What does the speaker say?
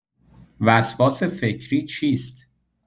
وسواس فکری چیست؟